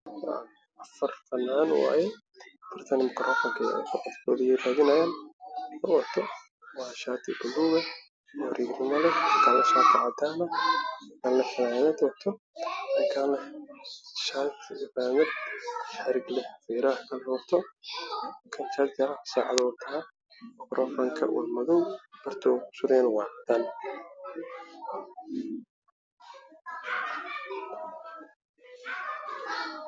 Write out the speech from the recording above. Heestan waxaa taagan afar nin dhoofna midka u horeeyo wuxuu wataa shati beluga midka kalena shati cad shaati cad fannaanad cad